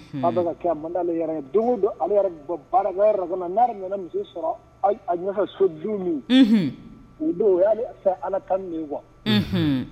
A man di ale yɛrɛ ye . Don o don ale yɛrɛ bi bɔ baarakɛyɔrɔ la ka na. Nale nana miso sɔrɔ a ɲɛfɛ so don min Unhun o don o yale fɛ Ala tanu de ye quoi Unhun